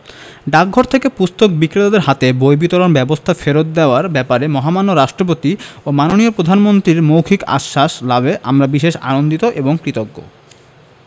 ডাকঘর থেকে পুস্তক বিক্রেতাদের হাতে বই বিতরণ ব্যবস্থা ফেরত দেওয়ার ব্যাপারে মহামান্য রাষ্ট্রপতি ও মাননীয় প্রধানমন্ত্রীর মৌখিক আশ্বাস লাভে আমরা বিশেষ আনন্দিত ও কৃতজ্ঞ